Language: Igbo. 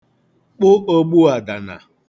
kpụ ogbuàdànà